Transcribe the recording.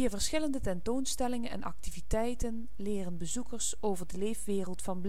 verschillende tentoonstellingen en activiteiten leren bezoekers over de leefwereld van